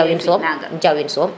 njawin soom jawin soom